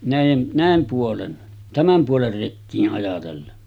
näiden näin puolen tämän puolen rekiä ajatellen